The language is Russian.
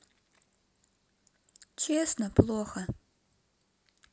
честно плохо